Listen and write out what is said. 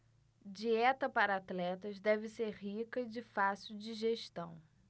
dieta para atletas deve ser rica e de fácil digestão